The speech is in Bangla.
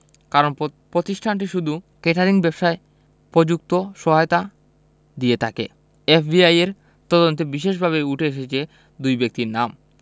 কারণ প্রতিষ্ঠানটি শুধু কেটারিং ব্যবসায় প্রযুক্তি সহায়তা দিয়ে থাকে এফবিআইয়ের তদন্তে বিশেষভাবে উঠে এসেছে দুই ব্যক্তির নাম